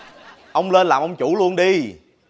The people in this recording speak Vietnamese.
ông lên làm ông chủ luôn đi